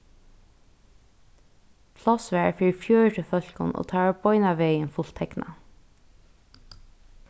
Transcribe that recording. pláss var fyri fjøruti fólkum og tað var beinanvegin fullteknað